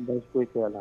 N bɛ foyi tɔgɔ la